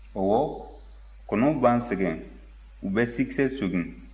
ɔwɔ kɔnɔw b'an sɛgɛn u bɛ sikisɛ sɔgin